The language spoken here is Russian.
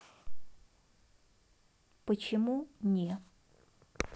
почему не